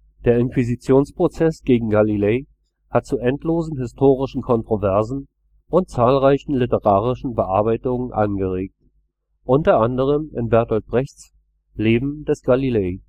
Der Inquisitionsprozess gegen Galilei hat zu endlosen historischen Kontroversen und zahlreichen literarischen Bearbeitungen angeregt; unter anderem in Bertolt Brechts Leben des Galilei